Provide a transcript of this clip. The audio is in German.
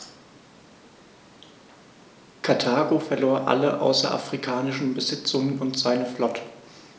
Karthago verlor alle außerafrikanischen Besitzungen und seine Flotte.